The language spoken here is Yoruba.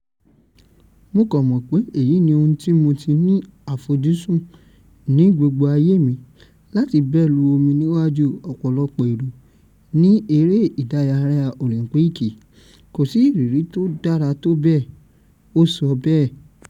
"Mó kàn mọ̀ pé èyí ní ohun tí mó tí ní ńí àfojúsù ní gbogbo ayé mi láti bẹ lu omi níwájú ọ̀pọ̀lọpọ̀ èrò ní Eré ìdárayá Òlìńpìkì, kò sí ìrírí tó dára tó bẹ́ẹ̀,” Ó sọ bẹ́ẹ̀. .